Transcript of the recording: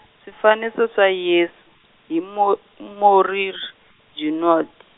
swifaniso swa Yesu hi Mo- Morier Genoud.